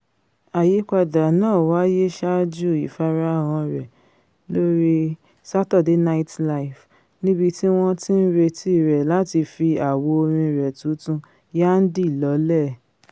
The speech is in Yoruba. Àyípadà náà wáyé saájú ìfarahàn rẹ̀ lórí Saturday Night Live, níbití wọ́n ti ń reti rẹ̀ láti fi àwo orin rẹ̀ tuntun Yandhi lọ́lẹ̀.